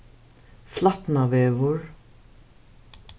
flatnavegur